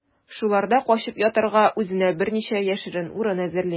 Шуларда качып ятарга үзенә берничә яшерен урын әзерли.